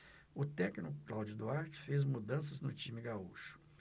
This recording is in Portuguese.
o técnico cláudio duarte fez mudanças no time gaúcho